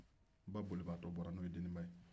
ba bolibaga tɔ bɔra n'o ye deninba ye